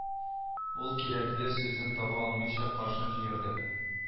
Ул кирәкле сүзен таба алмыйча кашын җыерды